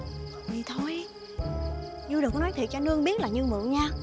vậy thôi như du đừng có nói thiệt cho anh hương biết là như mượn nha